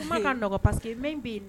N ka paseke